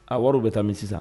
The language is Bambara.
A wariw bɛ taa min sisan